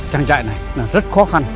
trang trại này là rất khó khăn